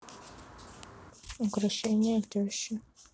укрощение тещи